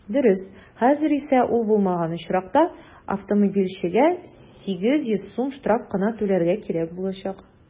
Дөрес, хәзер исә ул булмаган очракта автомобильчегә 800 сум штраф кына түләргә кирәк булачак.